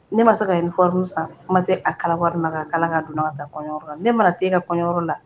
Ne ma se ka uniforme san kuma tɛ a kala wari ma ka kalan ka donna ka taa kɔɲɔyɔrɔ la, ne mana taa e ka kɔɲɔyɔrɔ la.